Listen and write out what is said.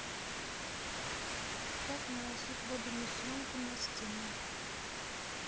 как наносить воду эмульсионку на стену